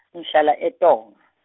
ngihlala eTonga.